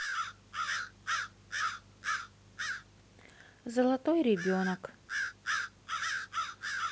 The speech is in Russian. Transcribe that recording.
золотой ребенок